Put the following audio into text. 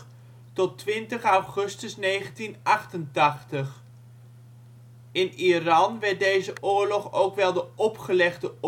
Iran werd deze oorlog ook wel de opgelegde